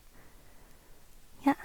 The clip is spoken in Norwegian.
Ja.